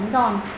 giòn